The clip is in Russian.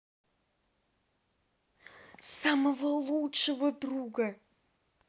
самого лучшего друга